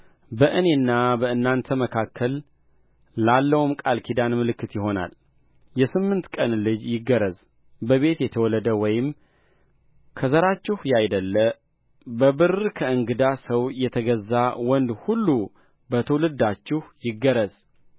በእኔና በእናንተ መካከል ላለውም ቃል ኪዳን ምልክት ይሆናል የስምንት ቀን ልጅ ይገረዝ በቤት የተወለደ ወይም ከዘራችሁ ያይደለ በብርም ከእንግዳ ሰው የተገዛ ወንድ ሁሉ በትውልዳችሁ ይገረዝ